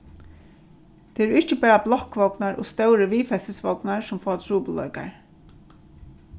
tað eru ikki bara blokkvognar og stórir viðfestisvognar sum fáa trupulleikar